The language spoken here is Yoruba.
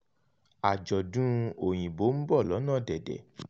1. Àjọ̀dún Òyìnbó ń bọ̀ lọ́nà dẹ̀dẹ̀.